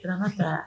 Siraga sara